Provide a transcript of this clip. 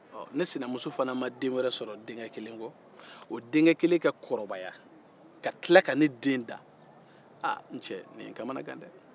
ɔ ne sinamuso fana ma den wɛrɛ sɔrɔ denkɛkelen kɔ o denkɛkelen ka kɔrɔbaya ka tila ka ne denke dan aaa n cɛ o ye n kamana kan dɛ